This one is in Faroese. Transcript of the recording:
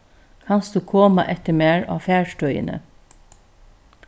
kanst tú koma eftir mær á farstøðini